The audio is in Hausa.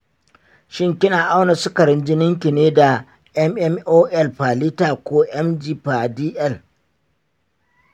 shin kina auna sukarin jininki ne da mmol/l ko mg/dl?